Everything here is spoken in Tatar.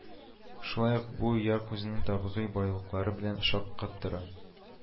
Шулай ук бу як үзенең табигый байлыклары белән шаккатыра